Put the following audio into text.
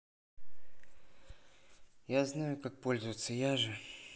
я знаю как пользоваться я же